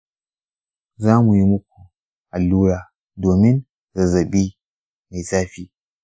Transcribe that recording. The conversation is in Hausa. za mu yi muku allura domin zazzabi mai zafi